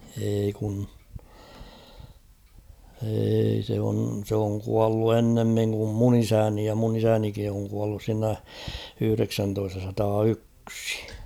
ei kun ei se on se on kuollut ennemmin kuin minun isäni ja minun isänikin on kuollut siinä yhdeksäntoistasataayksi